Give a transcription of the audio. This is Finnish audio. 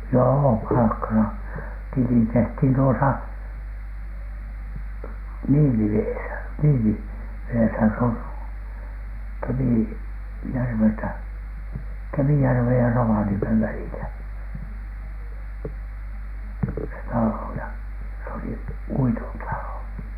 joo palkka - tili tehtiin tuossa Niilivedessä Niilivedessä se on - Kemijärveltä Kemijärven ja Rovaniemen välillä se talo ja se oli uiton talo